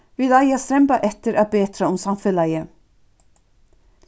vit eiga at stremba eftir at betra um samfelagið